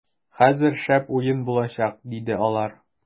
- хәзер шәп уен булачак, - диде алар.